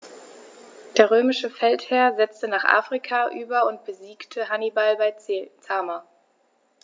Der römische Feldherr setzte nach Afrika über und besiegte Hannibal bei Zama.